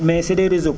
mais c' est des réseau